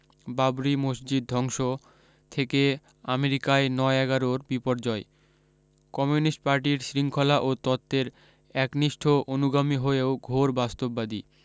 বাবরি মসজিদ ধ্বংস থেকে আমেরিকায় নয় এগারোর বিপর্যয় কমিউনিস্ট পার্টির শৃংখলা ও তত্ত্বের একনিষ্ঠ অনুগামী হয়েও ঘোর বাস্তববাদী